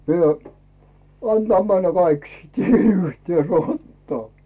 minä antaa mennä kaikki sitten yhtä rataa